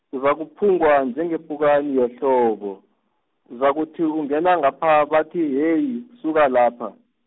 uzakuphungwa njengepukani yehlobo, uzakuthi ungena ngapha bathi heyi suka lapha.